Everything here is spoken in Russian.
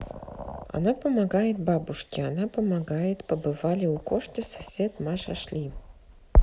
она помогает бабушки она помогает побывали у кошки сосед маша шли